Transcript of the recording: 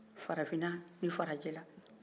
farafinnan ni farajɛla